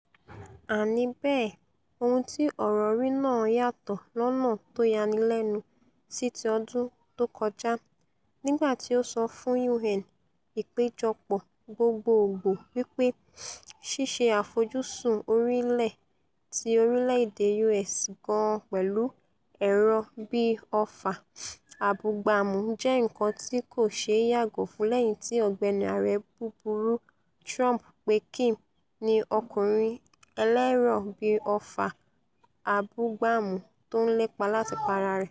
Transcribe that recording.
Àní bẹ́ẹ̀, ohun ti ọ̀rọ̀ Ri náà yàtọ̀ lọ́nà tóyanilẹ́nu sí ti ọdún tókọjá, nígbà tí o sọ fún U.N. Ìpéjọpọ̀ Gbogbogbòò wí pé ṣíṣe àfojúsùn ori-ilẹ̀ ti orílẹ̀-èdè U.S gan-an pẹ̀lú ẹ̀rọ̀-bí-ọfà abúgbàmù jẹ́ nǹkan tí kòṣeé yàgò fún lẹ́yìn tí ''Ọ̀gbẹ́ni Ààrẹ Búburú'' Trump pe Kim ni ''ọkùnrin ẹlẹ́ẹ̀rọ̀-bí-ọfà abúgbàmù'' tó ńlépa láti pa ara rẹ̀.